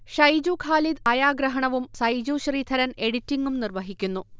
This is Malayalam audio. ഷൈജു ഖാലിദ് ചായാഗ്രഹണവും സൈജു ശ്രീധരൻ എഡിറ്റിംഗും നിർവഹിക്കുന്നു